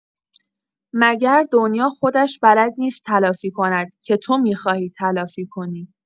مگر دنیا خودش بلد نیست تلافی کند که تو می‌خواهی تلافی کنی؟!